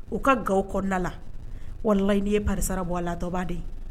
U ka ga kɔnɔnada la wala n' ye karisasara bɔ a latoba de ye